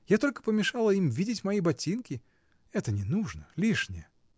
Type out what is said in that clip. Я только помешала им видеть мои ботинки: это не нужно, лишнее.